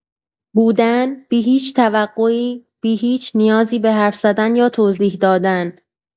بودن، بی‌هیچ توقعی، بی‌هیچ نیازی به حرف‌زدن یا توضیح دادن.